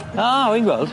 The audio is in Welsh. Ah, wi'n gweld.